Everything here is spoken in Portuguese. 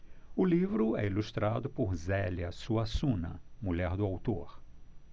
o livro é ilustrado por zélia suassuna mulher do autor